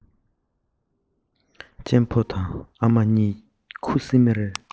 གཅེན པོ དང ཨ མ གཉིས ཁུ སིམ མེར